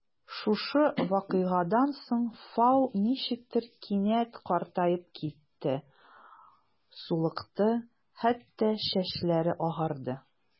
Шушы вакыйгадан соң Фау ничектер кинәт картаеп китте: сулыкты, хәтта чәчләре агарды.